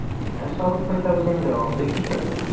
Нәрсә алып кайтабыз инде, абзый кеше?